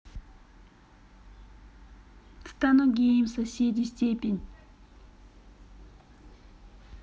стану геем соседи степень